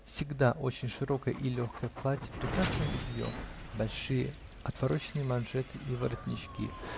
Всегда очень широкое и легкое платье, прекрасное белье, большие отвороченные манжеты и воротнички.